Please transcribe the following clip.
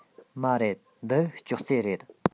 མ རེད འདི ཅོག ཙེ རེད